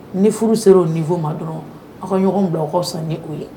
Ni furu sera o ni fɔ ma dɔrɔn aw ka ɲɔgɔn bila awkawaw fisa ni' ye